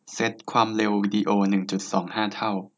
เซ็ตความเร็ววีดีโอหนึ่งจุดสองห้าเท่า